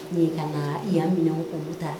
N'i kanaa i yan minɛnw k'olu ta